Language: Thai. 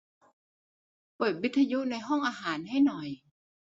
เปิดวิทยุในห้องอาหารให้หน่อย